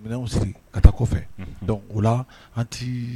Minɛnw siri ka taa kɔfɛ unhun donc ola an tii